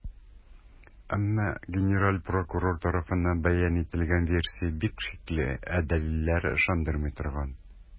Әмма генераль прокурор тарафыннан бәян ителгән версия бик шикле, ә дәлилләре - ышандырмый торган.